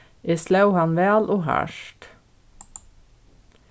eg sló hann væl og hart